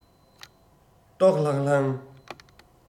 ལྟོགས ལྷང ལྷང